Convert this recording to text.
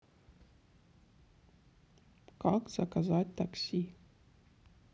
как заказать такси